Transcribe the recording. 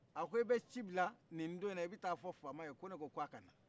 a ko i bɛ ci bila nin don in na i be taa fɔ faama ye ko ne ko k'a ka na